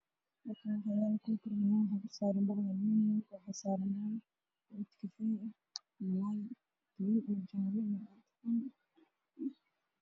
Meeshaan waxaa ii muuqda roti midabkiisu yahay jaalo iyo shuwaarimo oo saaran meel bac